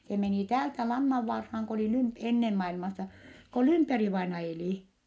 se meni täältä Lannanvaaraan kun oli - ennen maailmassa kun Lymperi-vainaja eli